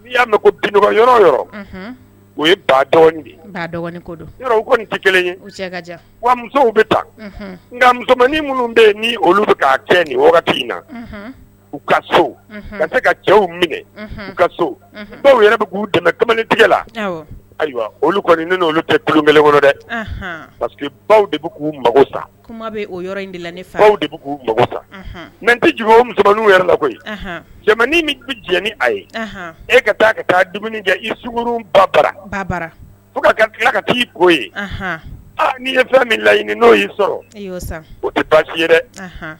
N'i y'a mɛn ko bin tɛ kelen musow bɛ taa nka musoman minnu bɛ olu' kɛ nin wagati in na u ka so tɛ ka cɛw minɛ u ka so baw bɛ k'u dɛmɛ kamalen tigɛ la ayiwa olu kɔni ne olu tɛ kelen dɛ paseke baw de k'u mako sa kuma de k'u sa n n tɛ juru musoman yɛrɛ lakɔ min bɛ jɛ ni a ye e ka taa ka taa dumuni kɛ iurun ba fo ka taa i ko ni' ye fɛn min laɲini yi sɔrɔ tɛ baasi ye dɛ